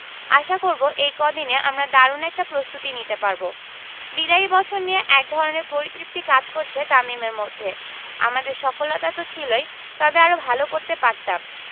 আশা করব এই কদিনে আমরা দারুণ একটা প্রস্তুতি নিতে পারব বিদায়ী বছর নিয়ে একধরনের পরিতৃপ্তি কাজ করছে তামিমের মধ্যে আমাদের সফলতা তো ছিলই তবে আরও ভালো করতে পারতাম